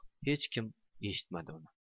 hech kim eshitmadi uni